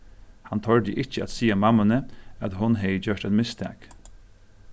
hann tordi ikki at siga mammuni at hon hevði gjørt eitt mistak